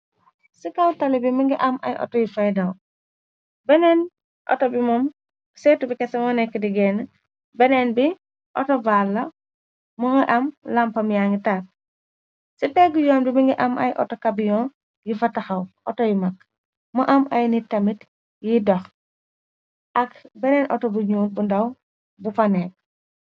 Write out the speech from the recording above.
Si kaw taly bi mingi am ay auto yu fay daw, beneen auto bi moom seetu bi kesa mo nekk digéen, beneen bi auto van la mu ngi am lampam ya nga takk, ci pegg yoon bi mi ngi am ay auto kabiyon yu fa taxaw, auto yu mag, mu am ay nit tamit yi dox, ak beneen auto bu ñuul bu ndaw bu faneek.